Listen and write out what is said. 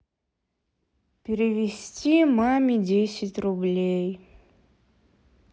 перевести маме десять рублей